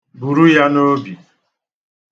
Buru ya n'obi.